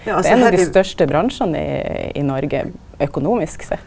det er ein av dei største bransjane i Noreg økonomisk sett.